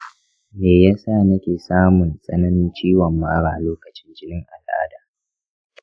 me yasa nake samun tsananin ciwon mara lokacin jinin al'ada?